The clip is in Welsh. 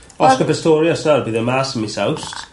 Oscar Pistorius wel bydd e mas yn mis Awst.